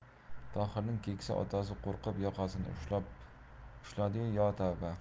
tohirning keksa otasi qo'rqib yoqasini ushladi yo tavba